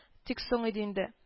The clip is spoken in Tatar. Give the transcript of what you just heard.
Тик соң иде инде